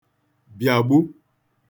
bịàgbu